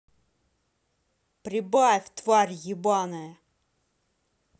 прибавь тварь ебаная